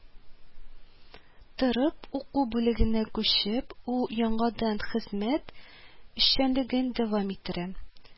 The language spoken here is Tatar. Торып уку бүлегенә күчеп, ул яңадан хезмәт эшчәнлеген дәвам иттерә: